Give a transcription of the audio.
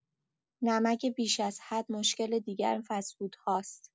نمک بیش از حد مشکل دیگر فست‌فودهاست.